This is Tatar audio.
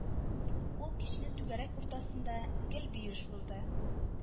Ул кичне түгәрәк уртасында гел Биюш булды